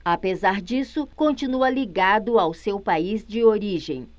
apesar disso continua ligado ao seu país de origem